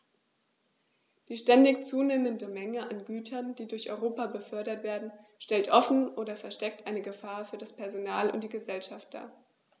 Die ständig zunehmende Menge an Gütern, die durch Europa befördert werden, stellt offen oder versteckt eine Gefahr für das Personal und die Gesellschaft dar.